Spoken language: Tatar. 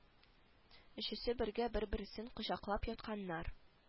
Өчесе бергә бер-берсен кочаклап ятканнар